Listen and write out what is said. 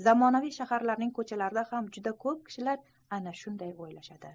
zamonaviy shaharlarning ko'chalarida ham juda ko'p kishilar ana shunday o'ylashadi